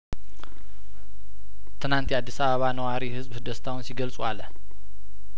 ትናንት የአዲስ አበባ ነዋሪ ህዝብ ደስታውን ሲገልጽዋለ